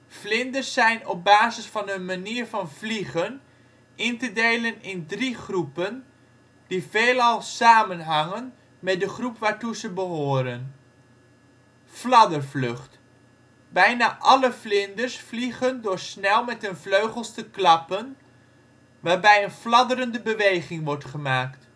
Vlinders zijn op basis van hun manier van vliegen in te delen in drie groepen, die veelal samenhangen met de groep waartoe ze behoren: Fladdervlucht: bijna alle vlinders vliegen door snel met hun vleugels te klappen waarbij een fladderende beweging wordt gemaakt